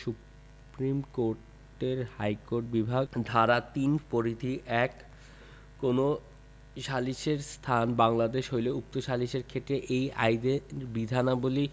supreme কোর্টের high court বিভাগ ধারা ৩ পরিধি ১ কোন সালিসের স্থান বাংলাদেশ হইলে উক্ত সালিসের ক্ষেত্রে এই আইনের বিধানাবলী